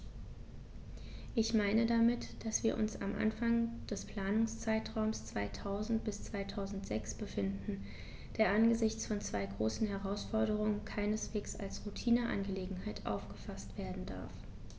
Ich meine damit, dass wir uns am Anfang des Planungszeitraums 2000-2006 befinden, der angesichts von zwei großen Herausforderungen keineswegs als Routineangelegenheit aufgefaßt werden darf.